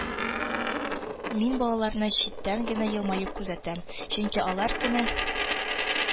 Мин балаларны читтән генә елмаеп күзәтәм, чөнки алар көне